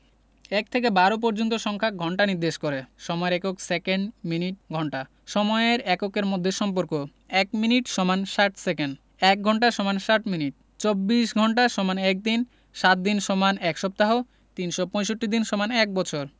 ১ থেকে ১২ পর্যন্ত সংখ্যা ঘন্টা নির্দেশ করে সময়ের এককঃ সেকেন্ড মিনিট ঘন্টা সময়ের এককের মধ্যে সম্পর্কঃ ১ মিনিট = ৬০ সেকেন্ড ১ঘন্টা = ৬০ মিনিট ২৪ ঘন্টা = ১ দিন ৭ দিন = ১ সপ্তাহ ৩৬৫ দিন = ১বছর